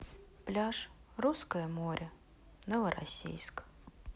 пляж русское море новороссийск